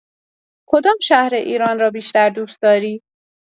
کدام شهر ایران را بیشتر دوست‌داری؟